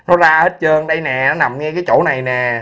nó ra hết trơn đây nè nó nằm ngay cái chỗ này nè